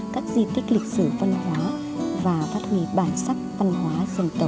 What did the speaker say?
các di tích lịch sử văn hóa và phát huy bản sắc văn hóa dân tộc